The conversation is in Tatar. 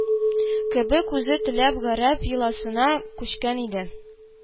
Кебек, үзе теләп гарәп йоласына күчкән иде